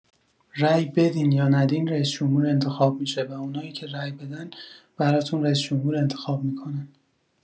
رای بدین یا ندین رییس‌جمهور انتخاب می‌شه و اونایی که رای بدن براتون رئیس‌جمهور انتخاب می‌کنن.